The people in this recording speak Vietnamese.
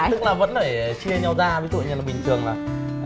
tức là vẫn phải chia nhau ra ví dụ như bình thường